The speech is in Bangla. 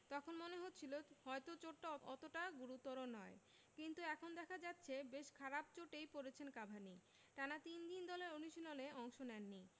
তখন মনে হচ্ছিল হয়তো চোটটা অতটা গুরুতর নয় কিন্তু এখন দেখা যাচ্ছে বেশ খারাপ চোটেই পড়েছেন কাভানি টানা তিন দিন দলের অনুশীলনে অংশ নেননি